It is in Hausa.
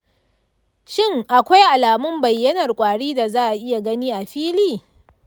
shin akwai alamun bayyanar kwari da za a iya gani a fili?